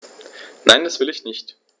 Nein, das will ich nicht.